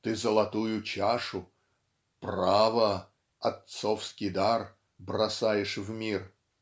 Ты золотую чашу "право", Отцовский дар, бросаешь в мир.